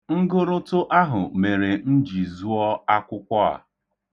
Ngụrụtụ ahụ mere m ji zụọ akwụkwọ a.